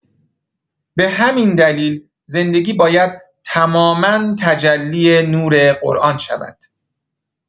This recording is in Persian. به همین دلیل زندگی باید تماما تجلی نور قرآن شود.